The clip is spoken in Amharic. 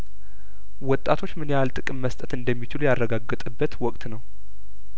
ወጣቶች ምንያህል ጥቅም መስጠት እንዳሚችሉ ያረጋገጠበት ወቅት ነው